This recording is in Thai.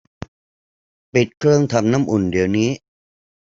ปิดเครื่องทำน้ำอุ่นเดี๋ยวนี้